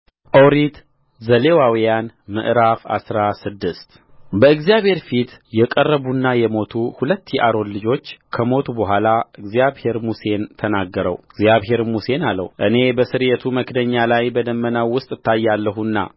ኦሪት ዘሌዋውያን ምዕራፍ አስራ ስድስት በእግዚአብሔር ፊት የቀረቡና የሞቱ ሁለት የአሮን ልጆች ከሞቱ በኋላ እግዚአብሔር ሙሴን ተናገረውእግዚአብሔርም ሙሴን አለው እኔ በስርየቱ መክደኛ ላይ በደመናው ውስጥ እታያለሁና